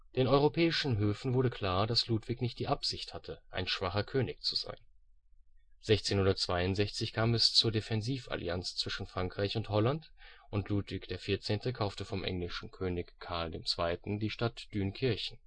Den europäischen Höfen wurde klar, dass Ludwig nicht die Absicht hatte, ein schwacher König zu sein. 1662 kam es zur Defensivallianz zwischen Frankreich und Holland und Ludwig XIV. kaufte vom englischen König Karl II. die Stadt Dünkirchen